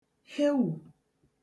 hewù!